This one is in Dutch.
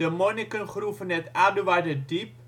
monniken groeven het Aduarderdiep